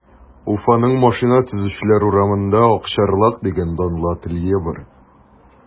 Уфаның Машина төзүчеләр урамында “Акчарлак” дигән данлы ателье бар.